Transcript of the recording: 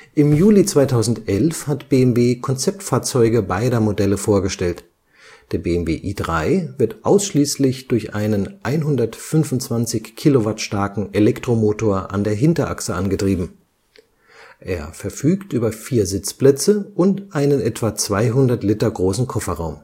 Im Juli 2011 hat BMW Konzeptfahrzeuge beider Modelle vorgestellt. Der BMW i3 wird ausschließlich durch einen 125 kW starken Elektromotor an der Hinterachse angetrieben. Er verfügt über vier Sitzplätze und einen etwa 200 Liter großen Kofferraum